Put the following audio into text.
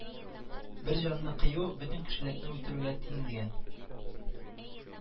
Бер җанны кыю бөтен кешелекне үтерүгә тиң, дигән